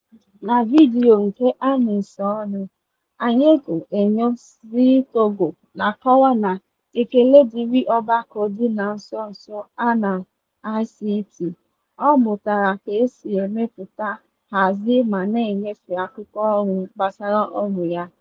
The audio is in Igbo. Na vidiyo nke a na-esonu, Agnegue Enyo si Togo na-akọwa na ekele dịrị ọgbakọ dị na nso nso a na ICT, ọ mụtara ka e si emepụta, ahazi ma na-enyefe akụkọ ọrụ gbasara ọrụ ya.